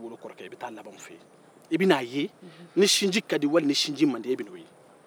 i bɛ t'a laban i wolokɔrɔkɛ fɛ yen i bɛna a ye ni sinji ka di wali ni sinji man di